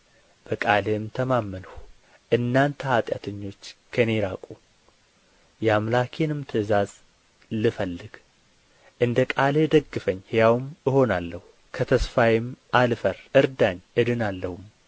በቃልህም ተማመንሁ እናንተ ኃጢአተኞች ከእኔ ራቁ የአምላኬንም ትእዛዝ ልፈልግ እንደ ቃልህ ደግፈኝ ሕያውም እሆናለሁ ከተስፋዬም አልፈር እርዳኝ እድናለሁም